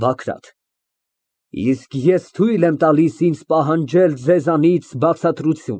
ԲԱԳՐԱՏ ֊ Իսկ ես թույլ եմ տալիս ինձ պահանջել ձեզանից բացատրություն։